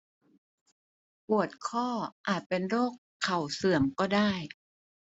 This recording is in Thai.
ปวดข้ออาจเป็นโรคเข่าเสื่อมก็ได้